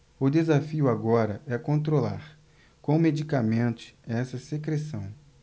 o desafio agora é controlar com medicamentos essa secreção